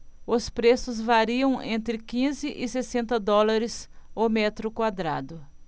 os preços variam entre quinze e sessenta dólares o metro quadrado